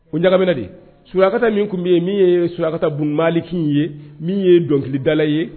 O ɲamina de sukata min tun bɛ ye min ye sukata bonunbaki ye min ye dɔnkilidala ye